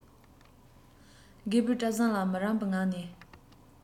རྒད པོས བཀྲ བཟང ལ མི རངས པའི ངང ནས